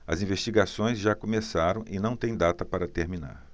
as investigações já começaram e não têm data para terminar